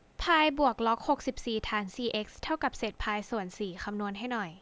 พายบวกล็อกหกสิบสี่ฐานสี่เอ็กซ์เท่ากับเศษพายส่วนสี่คำนวณให้หน่อย